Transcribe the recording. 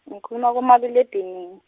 ngikhuma- kumaliledinini.